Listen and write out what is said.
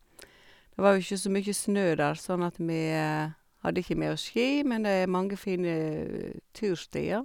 Det var jo ikke så mye snø der, sånn at vi hadde ikke med oss ski, men det er mange fine turstier.